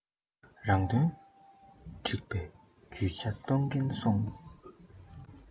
རང དོན སྒྲིག པའི ཇུས ཆ གཏོང གིན སོང